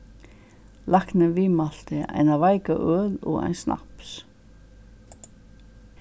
læknin viðmælti eina veika øl og ein snaps